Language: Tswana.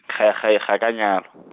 ga e ga e ga ka a nyalwa .